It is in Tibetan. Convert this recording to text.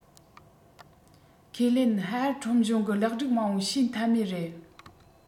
ཁས ལེན ཧྭ ཨེར ཁྲོམ གཞུང གི ལེགས སྒྲིག མང པོ བྱས ཐབས མེད རེད